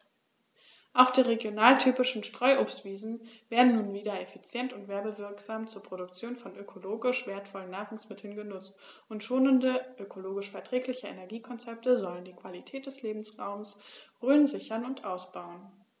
Auch die regionaltypischen Streuobstwiesen werden nun wieder effizient und werbewirksam zur Produktion von ökologisch wertvollen Nahrungsmitteln genutzt, und schonende, ökologisch verträgliche Energiekonzepte sollen die Qualität des Lebensraumes Rhön sichern und ausbauen.